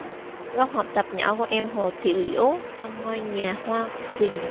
góc học tập nhỏ của em hồ thị liễu trong ngôi nhà hoa quỳnh